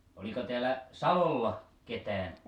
oliko täällä salolla ketään